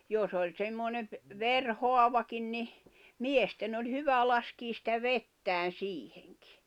jos oli semmoinen - verihaavakin niin miesten oli hyvä laskea sitä vettä siihenkin